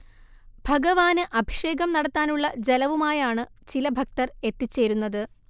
ഭഗവാന് അഭിഷേകം നടത്താനുള്ള ജലവുമായാണ് ചില ഭക്തർ എത്തിച്ചേരുന്നത്